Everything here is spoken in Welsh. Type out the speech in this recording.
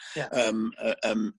Ia. Yym y yym